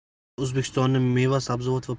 bu esa o'zbekistonni meva sabzavot va